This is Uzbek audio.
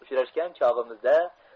uchrashgan chog'imizda